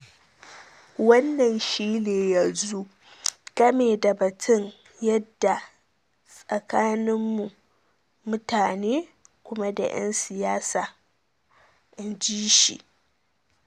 Wannan shi ne yanzu game da batun yadda tsakaninmu - mutanen - kuma da 'yan siyasa ', inji shi.